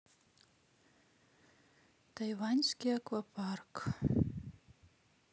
тайваньский аквапарк